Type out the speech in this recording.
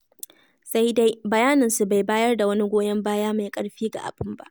Sai dai, bayaninsu bai bayar da wani goyon baya mai ƙarfi ga abin ba: